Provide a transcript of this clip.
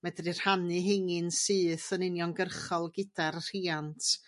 Medru rhannu heiny yn syth yn uniongyrchol gyda'r rhiant.